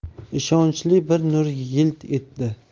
ishonchli bir nur yilt etdi